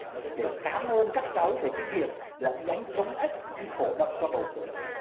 để cám ơn các cháu về cái việc là đánh trống ếch đi cổ động cho bầu cử